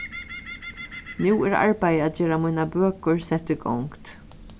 nú er arbeiði at gera mínar bøkur sett í gongd